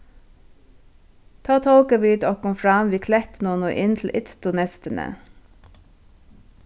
tá tóku vit okkum fram við klettunum og inn til ytstu neystini